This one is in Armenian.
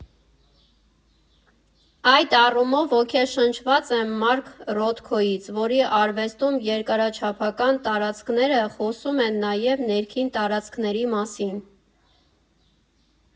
Այդ առումով ոգեշնչված եմ Մարկ Ռոթկոյից, որի արվեստում երկրաչափական տարածքները խոսում են նաև ներքին տարածքների մասին։